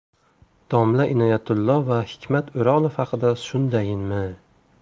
domla inoyatullo va hikmat o'rolov haqida shundaymi